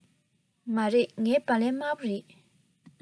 མ རེད ངའི སྦ ལན དམར པོ རེད